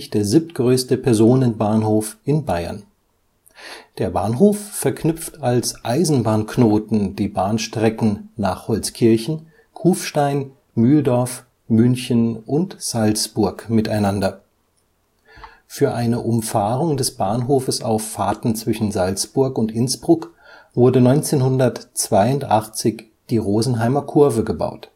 der siebtgrößte Personenbahnhof in Bayern. Der Bahnhof verknüpft als Eisenbahnknoten die Bahnstrecken nach Holzkirchen, Kufstein, Mühldorf, München und Salzburg miteinander. Für eine Umfahrung des Bahnhofes auf Fahrten zwischen Salzburg und Innsbruck wurde 1982 die Rosenheimer Kurve gebaut